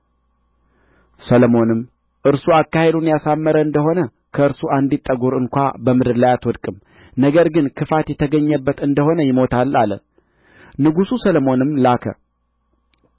ሰሎሞንም እርሱ አካሄዱን ያሳመረ እንደ ሆነ ከእርሱ አንዲት ጠጕር እንኳ በምድር ላይ አትወድቅም ነገር ግን ክፋት የተገኘበት እንደ ሆነ ይሞታል አለ ንጉሡ ሰሎሞንም ላከ